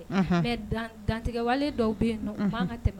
Dan dantigɛwale dɔw bɛ yen nɔn tɛmɛ